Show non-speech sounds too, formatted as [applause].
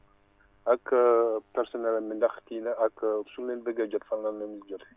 ak [hesitation] personnel am bi ndax kii na ak su ñu leen bëggee jot fan la ñu leen di jotee